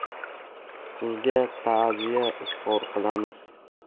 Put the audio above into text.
sizga ta'ziya izhor qilamiz